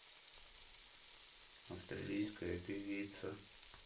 австралийская певица